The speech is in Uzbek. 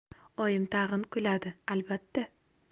oyim tag'in kuladi albatta